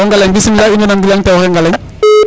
bismila in way nana gilwang tewoxe Ngalagne